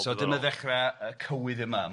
So dyna ddechra y cywydd yma.